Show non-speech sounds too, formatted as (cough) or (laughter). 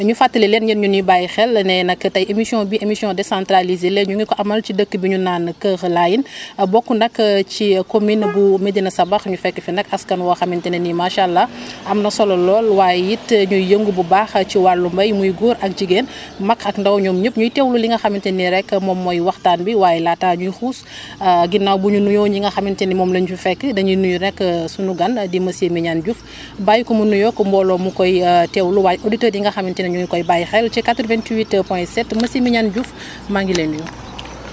ñu fàttali leen yéen ñi ñuy bàyyi xel ne nag tey émission bi émission décentralisée la ñu ngi ko amal si dëkk bu ñu naan Kër Lahine (breath) bokk nag ci commune (noise) bu Médina Sabakh ñu fekk fi nag askan woo xamante ne ni macha allah am na solo lool waaye it ñuy yëngu bu baax ci wàllu mbéy muy góor ak jigéen (breath) (noise) mag ak ndaw ñoom ñëpp ñuy teewlu li nga xamante ni rek moom mooy waxtaan bi waaye laataa ñuy xuus (breath) ginnaaw bu ñu nuyoo ñi nga xamante ni moom la ñu fi fekk dañuy nuyu nag (hesitation) sunu gan di monsieur Mignane Diouf (breath) bàyyi ko mu nuyoog mbooloo mu koy (hesitation) teewlu waaye auditeurs yi nga xamante ne ñu ngi koy bàyyi xel ci 88 point 7 monsieur Mignane Diouf (breath) maa ngi lay nuyu